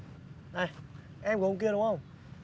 này em của ông kia đúng không